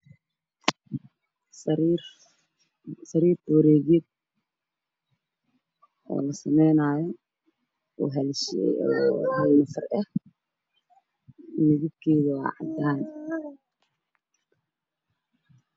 Sariir la samaynayo ayaa meeshaan taalo waxyna ka jaban tahay lug lugaheeda ka mid ah